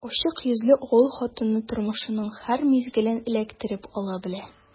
Ачык йөзле авыл хатыны тормышның һәр мизгелен эләктереп ала белә.